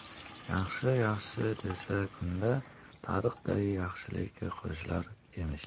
yaxshi yaxshi desa kunda tariqday yaxshilik qo'shilar emish